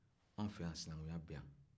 an fɛ yan sinankuya bɛ yan